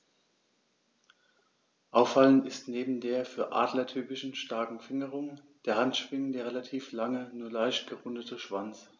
Auffallend ist neben der für Adler typischen starken Fingerung der Handschwingen der relativ lange, nur leicht gerundete Schwanz.